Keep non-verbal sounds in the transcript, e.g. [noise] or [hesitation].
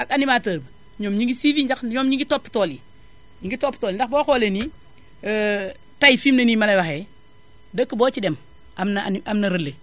ak animateur bi ñoom ñu ngi siuvi: Fra ndax ñoom ñoo ngi topp tool yi ñu ngi topp tool yi ndax boo xoolee nii [hesitation] tay fi mu ne nii malay waxee dëkk boo ci dem am na anim am na relai